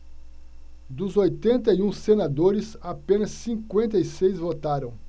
dos oitenta e um senadores apenas cinquenta e seis votaram